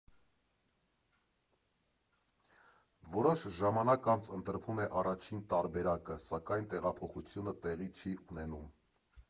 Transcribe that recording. Որոշ ժամանակ անց ընտրվում է առաջին տարբերակը, սակայն տեղափոխությունը տեղի չի ունենում։